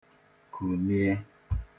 kuniè